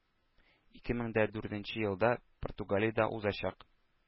Ике мең дә дүртенче елда Португалиядә узачак